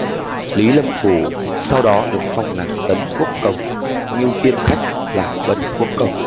lý lâm phủ sau đó được phong làm tấn quốc công ngưu tiên khách làm bân quốc công